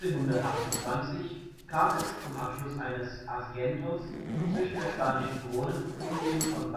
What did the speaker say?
1528 kam es zum Abschluss eines Asientos zwischen der spanischen Krone und dem von